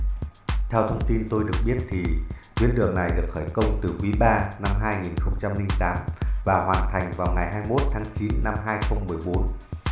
theo thông tin tôi được biết thì tuyến đường này được khởi công từ quý năm và hoàn thành vào ngày